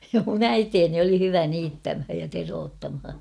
minun äitini oli hyvä niittämään ja teroittamaan